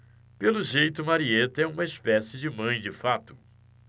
pelo jeito marieta é uma espécie de mãe de fato